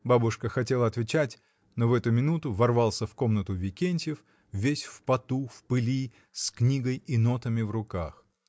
Бабушка хотела отвечать, но в эту минуту ворвался в комнату Викентьев, весь в поту, в пыли, с книгой и нотами в руках.